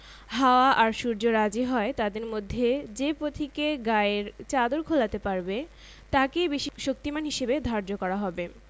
ঘুরতে ঘুরতে এক নেকড়ে একটা দলছুট ভেড়াকে একলা পেয়ে গেল নেকড়ের ইচ্ছে হল বেশ মহত্ব দেখায় ভেড়াটার উপর কোন হামলা না চালিয়ে বরং কিছু যুক্তি তক্ক দিয়ে